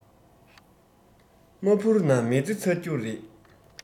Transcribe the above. མ འཕུར ན མི ཚེ ཚར རྒྱུ རེད